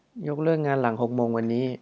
ยกเลิกงานหลังหกโมงวันนี้